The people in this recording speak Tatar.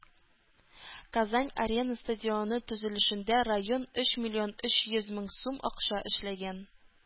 “казан-арена” стадионы төзелешендә район өч миллион өч йөз мең сум акча эшләгән.